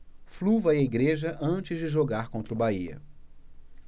flu vai à igreja antes de jogar contra o bahia